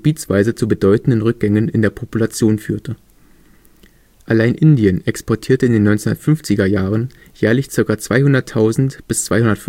zu bedeutenden Rückgängen in der Population führte. Allein Indien exportierte in den 1950er-Jahren jährlich ca. 200.000 bis 250.000